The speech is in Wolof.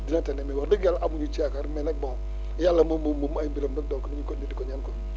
dina tane mais wax dëgg yàlla amuñu ci yaakaar mais nag bon yàlla moom moo moom ay mbiram nag donc nañu ko ñu di ko ñaan ko ko